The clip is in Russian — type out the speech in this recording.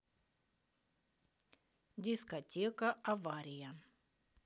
дискотека авария